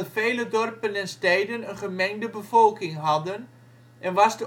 vele dorpen en steden een gemengde bevolking hadden en was